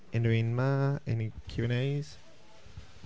Unrhyw un 'ma? Unrhyw Q&As?